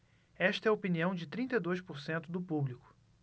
esta é a opinião de trinta e dois por cento do público